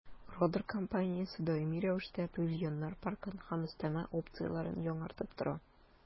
«родер» компаниясе даими рәвештә павильоннар паркын һәм өстәмә опцияләрен яңартып тора.